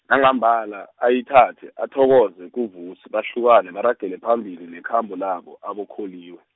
nangambala ayithathe athokoze kuVusi bahlukane baragele phambili nekhambo labo aboKholiwe.